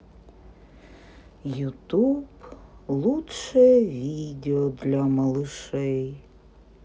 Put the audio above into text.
ютуб лучшее видео для малышей